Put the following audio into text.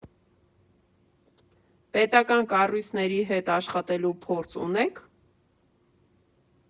Պետական կառույցների հետ աշխատելու փորձ ունե՞ք։